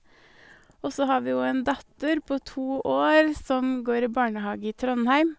Og så har vi jo en datter på to år som går i barnehage i Trondheim.